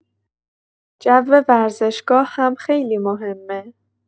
جو ورزشگاه هم خیلی مهمه.